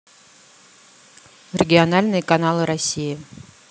региональные каналы россии